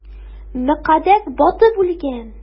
Мөкаддәс батып үлгән!